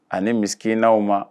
Ani misikinanw ma